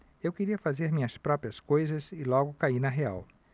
eu queria fazer minhas próprias coisas e logo caí na real